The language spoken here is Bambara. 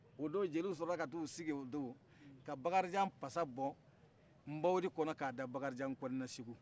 o don jeliw sɔrɔla ka t'u sigi ka bakarijan pasa bɔ nbawudi kɔnɔ k'a da bakarijan kone la